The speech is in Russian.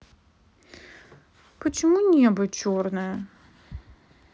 почему небо черное